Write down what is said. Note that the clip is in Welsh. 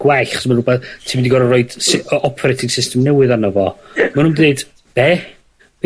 Gwellt 'chos ma' 'na rwbath ti mynd i gorod roid sy- yy operating system newydd arno fo. Ma' nw'n deud be'?